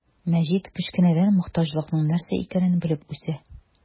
Мәҗит кечкенәдән мохтаҗлыкның нәрсә икәнен белеп үсә.